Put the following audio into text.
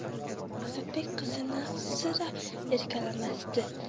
asadbek qizini sira erkalamasdi